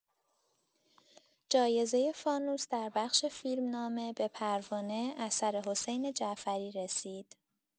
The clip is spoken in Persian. جایزه فانوس در بخش فیلمنامه به پروانه، اثر حسین جعفری رسید.